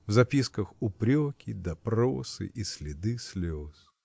В записках – упреки, допросы и следы слез.